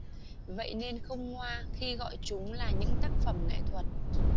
vậy nên không ngoa khi gọi chúng là những tác phẩm nghệ thuật